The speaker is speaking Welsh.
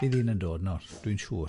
Bydd un yn dod nawr, dwi'n siŵr.